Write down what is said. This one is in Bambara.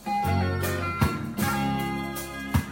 San yo